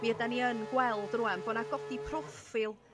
mi ydan ni yn gweld rŵan bo' 'na godi proffil